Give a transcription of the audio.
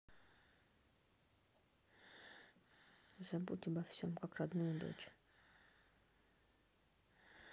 забудь обо всем как родную дочь